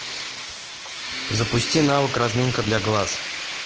запусти навык разминка для глаз